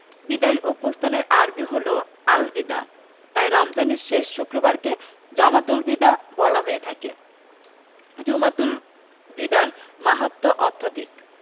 বিদায় বা প্রস্থানের আরবি হলো আল বিদা তাই রমজানের শেষ শুক্রবারকে জুমাতুল বিদা বলা হয়ে থাকে জুমাতুল বিদার মাহাত্ম্য অত্যধিক